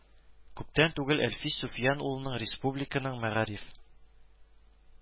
Күптән түгел Әлфис Суфиян улының республиканың мәгариф